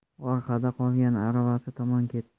orqada qolgan aravasi tomon ketdi